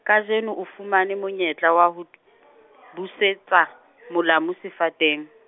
kajeno o fumane monyetla wa ho , busetsa, molamu sefateng.